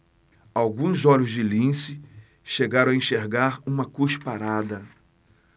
alguns olhos de lince chegaram a enxergar uma cusparada